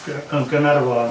Yn Gnarfon.